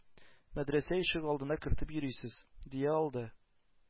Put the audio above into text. Мәдрәсә ишек алдына кертеп йөрисез? дия алды.